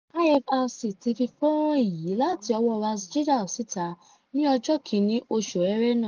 IFRC ti fi fọ́nràn yìí láti ọwọ́ Ras Jdir síta ní ọjọ́ 1 oṣù Ẹrẹ́nà.